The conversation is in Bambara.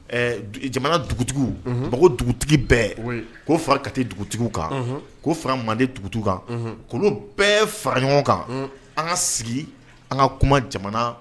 Jamana dugutigi dugutigi bɛɛ k'o fara ka dugutigi kano fara mande dugutigi kan kolo bɛɛ fara ɲɔgɔn kan an ka sigi an ka kuma jamana